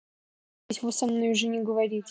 надеюсь вы со мной уже не говорите